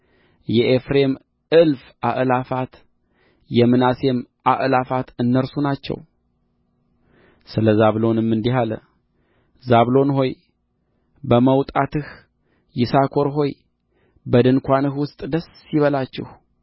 የኤፍሬም እልፍ አእላፋት የምናሴም አእላፋት እነርሱ ናቸው ስለ ዛብሎንም እንዲህ አለ ዛብሎን ሆይ በመውጣትህ ይሳኮር ሆይ በድንኳንህ ውስጥ ደስ ይበላችሁ